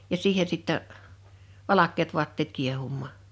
ja siihen sitten valkeat vaatteet kiehumaan